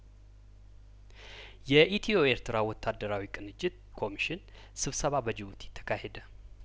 የኢትዮ ኤርትራ ወታደራዊ ቅንጅት ኮሚሽን ስብሰባ በጅቡቲ ተካሄደ